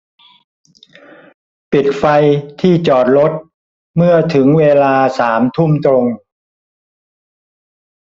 ปิดไฟที่จอดรถเมื่อถึงเวลาสามทุ่มตรง